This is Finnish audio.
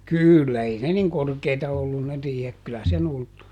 kyllä ei ne niin korkeita ollut ne riihet kyllä sen ulettui